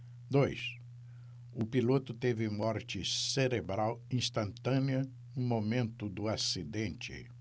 dois o piloto teve morte cerebral instantânea no momento do acidente